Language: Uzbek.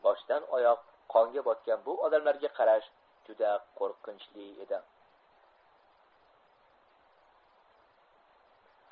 boshdan oyoq qonga botgan bu odamlarga qarash juda qo'rqinchli edi